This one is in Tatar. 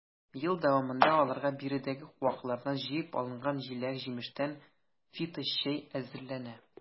Ел дәвамында аларга биредәге куаклардан җыеп алынган җиләк-җимештән фиточәй әзерләнә.